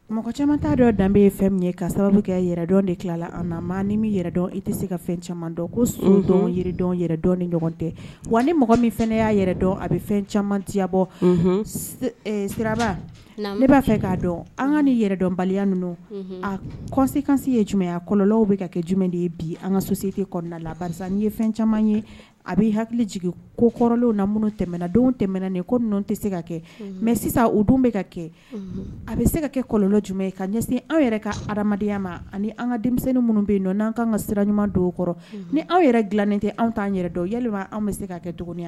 Mɔgɔ caman t'a dɔ danbe ye fɛn min ye ka sababu kɛ yɛrɛ dɔn de tilala an maa ni min yɛrɛ dɔn i tɛ se ka fɛn caman dɔn ko sodɔn yiridɔn yɛrɛ dɔn ni ɲɔgɔn tɛ wa ni mɔgɔ min fana ne y'a yɛrɛ dɔn a bɛ fɛn caman ti bɔ siraba ne b'a fɛ k'a dɔn an ka ni yɛrɛdɔn baliya ninnu a kɔ sekan se ye jumɛn kɔlɔnlɔw bɛ ka kɛ jumɛn de ye bi an ka so sete kɔ kɔnɔna la karisa ni ye fɛn caman ye a bɛ hakili jigin ko kɔrɔlaw na minnu tɛmɛnadenw tɛmɛna nin ko nɔn tɛ se ka kɛ mɛ sisan o don bɛ ka kɛ a bɛ se ka kɛ kɔlɔnlɔ jumɛn ye ka ɲɛsin anw yɛrɛ ka ha adamadenyaya ma ani an ka denmisɛnnin minnu bɛ yen n'an kan ka sira ɲuman don kɔrɔ ni anw yɛrɛ dilannen tɛ an'an yɛrɛ dɔn yɛlɛ an bɛ se ka kɛ dɔgɔnya ye